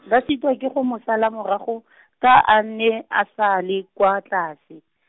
ba sitwa ke go mo sala morago , ka a ne a sa le kwa tlase .